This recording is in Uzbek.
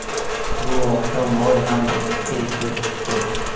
bu oqshom oy ham erta chiqdi